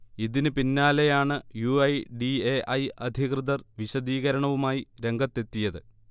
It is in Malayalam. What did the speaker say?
ഇതിന് പിന്നാലെയാണ് U. I. D. A. I. അധികൃർ വിശദീകരണവുമായി രംഗത്തെത്തിയത്